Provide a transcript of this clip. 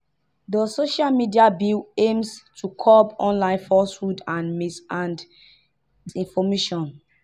The social media bill aims to curb online falsehoods and mis- and disinformation.